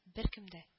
Беркем дә